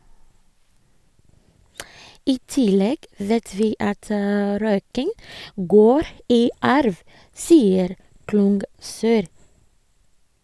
- I tillegg vet vi at røyking går i arv, sier Klungsøyr.